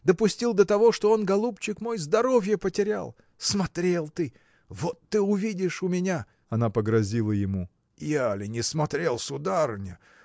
допустил до того, что он, голубчик мой, здоровье потерял! Смотрел ты! Вот ты увидишь у меня. Она погрозила ему. – Я ли не смотрел, сударыня?